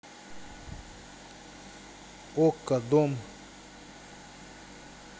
окко дом